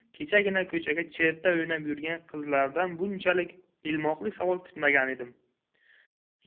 kechagina ko'chada cherta o'ynab yurgan qizaloqdan bunchalik ilmoqli savol kutmagan edim